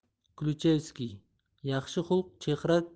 kluchevskiy yaxshi xulq chehra